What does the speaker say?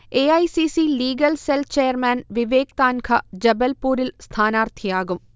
A. I. C. C. Legal cell chairman Vivek Tankha ജബൽപുരിൽ സ്ഥാനാർഥിയാകും